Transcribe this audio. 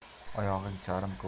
oyog'iga charm kavush kiyib